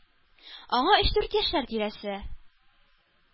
Аңа өч дүрт яшьләр тирәсе,